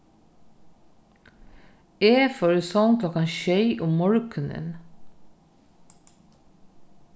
eg fór í song klokkan sjey um morgunin